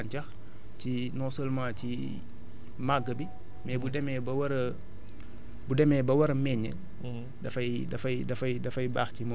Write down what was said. dafa bari te dafa baax ci gàncax ci non seulement ci màgg bi mais bu demee ba war a bu demee ba war a meññ